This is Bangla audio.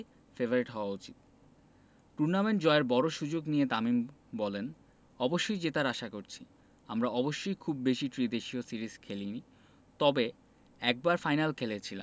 বিশেষ করে দেশের মাটিতে আমাদের আসলে ফেবারিট হওয়া উচিত টুর্নামেন্ট জয়ের বড় সুযোগ নিয়ে তামিম বললেন অবশ্যই জেতার আশা করছি আমরা অবশ্য খুব বেশি ত্রিদেশীয় সিরিজ খেলেনি